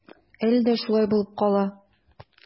Әле дә шулай булып кала.